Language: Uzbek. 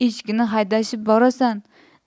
echkini haydashib borasan